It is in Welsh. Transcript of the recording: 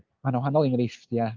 Ma' 'na wahanol enghreifftiau.